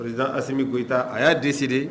Araz asime gyita a y'a dɛsɛse de